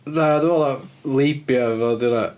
Na dwi'n meddwl na labia fo 'di hwnna.